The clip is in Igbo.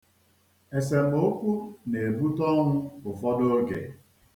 Esemokwu na-ebute ọnwụ ụfọdụ oge.